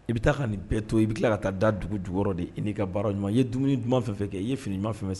I bɛ taa ka nin bɛɛ to, i bɛ tila ka taa da dugu jugɔrɔ de, i n'i ka baara ɲuman , i ye dumuni duman fɛn fɛn kɛ ,i ye fini ɲuman fɛn fɛn